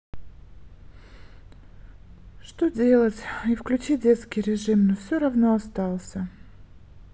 что делать и включи детский режим но все равно остался